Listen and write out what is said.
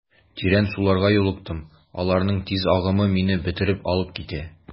Тирән суларга юлыктым, аларның тиз агымы мине бөтереп алып китә.